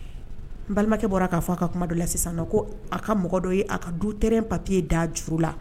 N balimakɛ bɔra' fɔ ka kuma dɔ la sisan ko a ka mɔgɔ dɔ ye a ka du tɛrɛn papiye da juru la